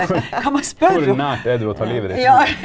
hvor hvor nært er du å ta livet ditt nå?